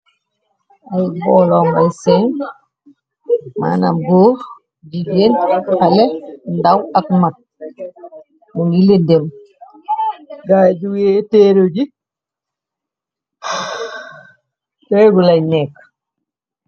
Ay boolo ngay seeñ mana boox gi yeen xale ndaw ak mag mu ngi le dem gaay juwee teeru ji teegulay nekk.